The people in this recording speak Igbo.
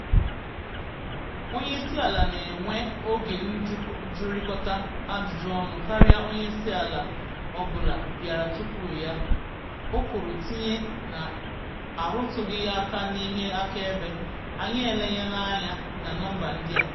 “Onye isi ala na enwe oge njụrịkọta ajụjụ ọnụ karịa onye isi ala ọ bụla bịara tupu ya,” o kwuru, tinye na arụtụghị aka n’ihe akaebe: “Anyị elenyela anya na nọmba ndị a.”